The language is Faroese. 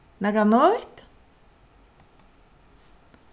nakað nýtt